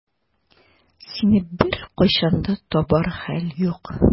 Сине беркайчан да табар хәл юк.